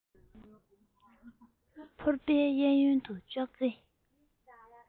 ཕོར པའི གཡས གཡོན དུ ཙོག སྟེ